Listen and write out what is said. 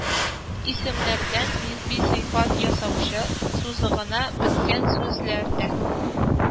Исемнәрдән нисби сыйфат ясаучы сузыгына беткән сүзләрдән